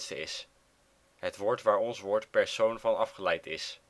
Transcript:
is: het woord waar ons woord persoon van afgeleid is